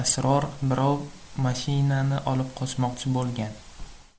asror birov mashinani olib qochmoqchi bo'lgan